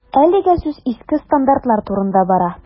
Әлегә сүз иске стандартлар турында бара.